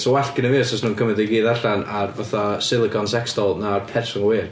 'Sa well gynna fi os fysan nhw'n cymryd o'i gyd allan ar fatha silicone sexdoll na person go wir.